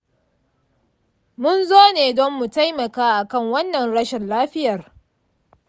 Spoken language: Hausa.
munzo ne don mu taimaka akan wannan rashin lafiyar.